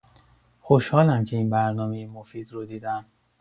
خوشحالم که این برنامه مفید رو دیدم.